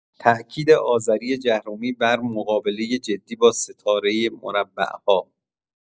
تاکید آذری جهرمی بر مقابله جدی با «ستاره مربع‌ها»